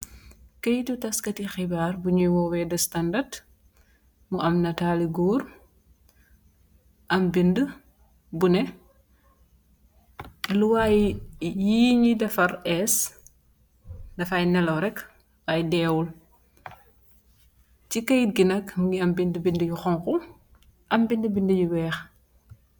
Keyetti taskiti xibarr bunyu wuyeh the standard am netali goor am bind nduh li waye yi nyu dafar ess dafy nalaw rek si keyet bi nak mungi am binduh binduh yu xhong khu am binduh binduh yu weekh